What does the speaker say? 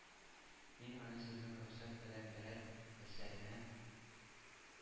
Мин аны сезнең рөхсәт белән берәр әсәремә,